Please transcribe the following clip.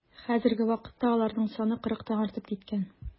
Хәзерге вакытта аларның саны кырыктан артып киткән.